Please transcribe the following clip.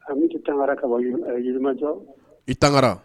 A tanga kalimajɔ i tangara